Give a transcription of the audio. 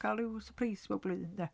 Cael ryw syrpreis pob blwyddyn de?